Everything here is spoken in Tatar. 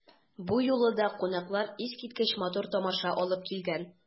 Бу юлы да кунаклар искиткеч матур тамаша алып килгән.